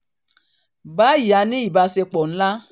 Báyìí a ní ìbáṣepọ̀ ńlá.''